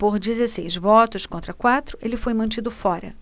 por dezesseis votos contra quatro ele foi mantido fora